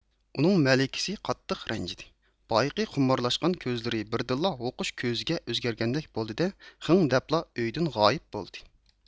ئۇنىڭ مەلىكىسى قاتتىق رەنجىدى بايىقى خۇمارلاشقان كۆزلىرى بىردىنلا ھوقۇش كۆزىگە ئۆزگەرگەندەك بولدى دە خىڭ دەپلا ئۆيدىن غايىپ بولدى